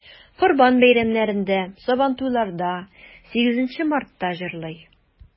Корбан бәйрәмнәрендә, Сабантуйларда, 8 Мартта җырлый.